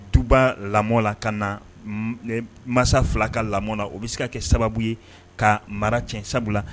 Tuba lamɔ la ka na masa fila ka lamɔ na o bɛ se ka kɛ sababu ye ka mara cɛ sabula la